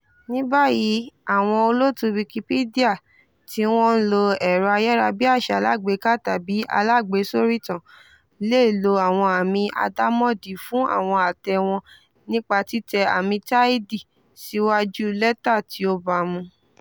Ní báyìí àwọn olóòtú Wikipedia tí wọ́n ń lo ẹ̀rọ ayárabíàsá alágbèékalẹ̀ tàbí alágbèésóríitan le lo àwọn àmì àdàmọ̀dì fún àwọn àtẹ̀ wọn nípa títẹ àmì táìdì (~) síwájú lẹ́tà tí ó baamu.